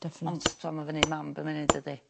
Definate. Ond t'wo ma' fyny mam be ma' neud dydi?